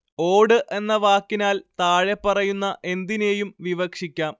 ഓട് എന്ന വാക്കിനാല്‍ താഴെപ്പറയുന്ന എന്തിനേയും വിവക്ഷിക്കാം